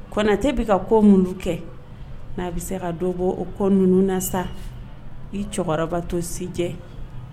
Konate bɛ ka ko mulu kɛ, a bɛ se ka dɔ bɔ o ko nunu na saa. I cɛkɔrɔba to si jɛ